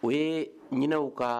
U ye ɲininaw kan